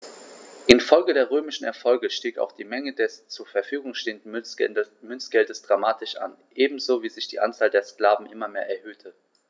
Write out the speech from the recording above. Infolge der römischen Erfolge stieg auch die Menge des zur Verfügung stehenden Münzgeldes dramatisch an, ebenso wie sich die Anzahl der Sklaven immer mehr erhöhte.